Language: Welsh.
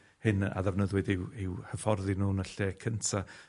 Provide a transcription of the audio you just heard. hyn a ddefnyddiwyd i'w i'w hyfforddi nw yn y lle cynta.